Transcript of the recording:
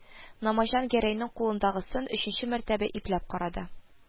Намаҗан Гәрәйнең кулындагысын өченче мәртәбә ипләп карады